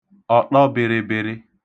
ọ̀ṭọbị̄rị̄bị̄rị̄